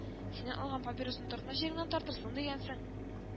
Синнән алган папиросны тартмас җиреңнән тартырсың, дигәнсең